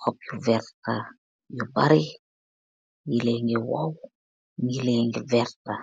hopp yu werta yu bary yelege wuuhu yelege werta.